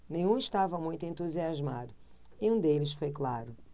nenhum estava muito entusiasmado e um deles foi claro